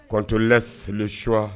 Qu'on te laisse le choix